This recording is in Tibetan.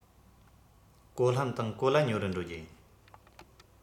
གོ ལྷམ དང གོ ལྭ ཉོ རུ འགྲོ རྒྱུ ཡིན